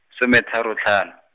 some tharo tlhano.